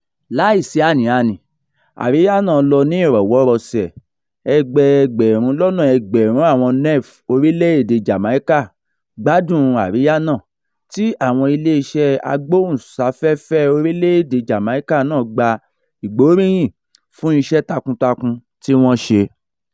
Láì sí àní-àní, àríyá náà lọ ní ìrọwọ́-ìrọsẹ̀, ẹgbẹẹgbẹ̀rún lọ́nà ẹgbẹ̀rún àwọn Nev orílẹ̀-èdèe Jamaica gbádùn-un àríyá náà tí àwọn iléeṣẹ́ agbóhùnsáfẹ́fẹ́ orílẹ̀ èdèe Jamaica náà gba ìgbóríyìn fún iṣẹ́ takuntakun tí wọ́n ṣe: